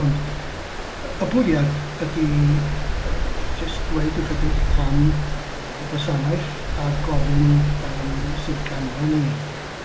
Ond y bwriad ydy yy jyst dweud ryw chydig am y gwasanaeth a'r gofyn yym sydd ganddo ni.